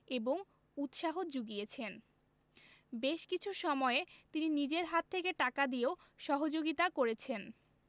এবং উৎসাহ যুগিয়েছেন বেশ কিছু সময়ে তিনি নিজের হাত থেকে টাকা দিয়েও সহযোগিতা করেছেন